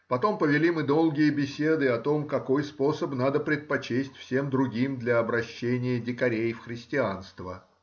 Потом повели мы долгие беседы о том, какой способ надо предпочесть всем другим для обращения дикарей в христианство.